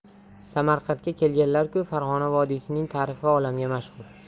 samarqandga kelganlar ku farg'ona vodiysining tarifi olamga mashhur